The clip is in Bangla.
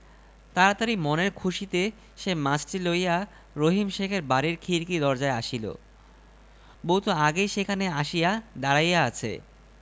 ওরে তোমরা দেখরে আমার সোয়ামী পাগল হইয়াছে আমাকে মারিয়া ফেলিল | বউ এর চিৎকার শুনিয়া এ পাড়া ও পাড়া হইতে বহুলোক আসিয়া জড় হইল